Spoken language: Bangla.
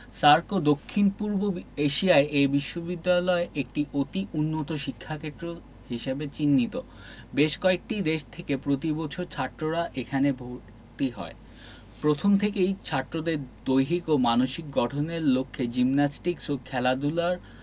SAARC ও দক্ষিণ পূর্ব এশিয়ায় এ বিশ্ববিদ্যালয় একটি অতি উন্নত শিক্ষাক্ষেত্র হিসেবে চিহ্নিত বেশ কয়েকটি দেশ থেকে প্রতি বছর ছাত্ররা এখানে ভর্তি হয় প্রথম থেকেই ছাত্রদের দৈহিক ও মানসিক গঠনের লক্ষ্যে জিমনাস্টিকস ও খেলাধুলার